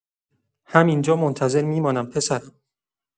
همین‌جا منتظر می‌مانم پسرم.